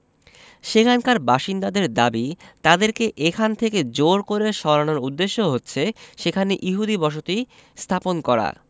সেখানকার বাসিন্দাদের দাবি তাদেরকে এখান থেকে জোর করে সরানোর উদ্দেশ্য হচ্ছে সেখানে ইহুদি বসতি স্থাপন করা